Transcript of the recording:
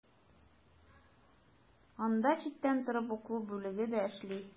Анда читтән торып уку бүлеге дә эшли.